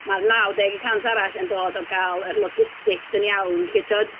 Ma'r naw deg y cant arall yn dod o gael yr logistics yn iawn 'lly, tibod